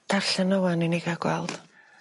Darllen o 'wan i ni ca'l gweld.